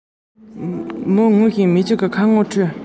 གཏམ དཔེ མ གོ བ རེད དམ